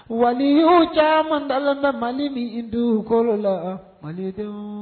Waliyu caman dalen bɛ Mali min dunkolo la Malidenw